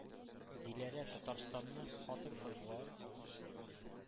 Диләрә Татарстанның хатын-кызлар